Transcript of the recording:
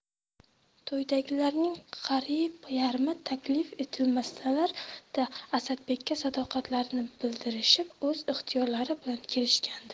to'ydagilarning qariyb yarmi taklif etilmasalar da asadbekka sadoqatlarini bildirishib o'z ixtiyorlari bilan kelishgandi